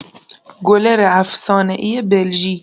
گلر افسانه‌ای بلژیک